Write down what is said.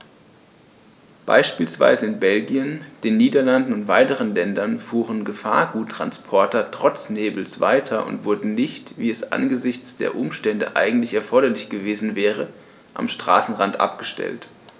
Beispielsweise in Belgien, den Niederlanden und weiteren Ländern fuhren Gefahrguttransporter trotz Nebels weiter und wurden nicht, wie es angesichts der Umstände eigentlich erforderlich gewesen wäre, am Straßenrand abgestellt.